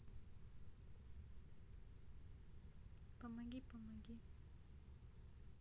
помоги помоги